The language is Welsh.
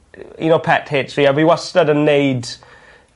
un o pet hates fi a fi wastad yn neud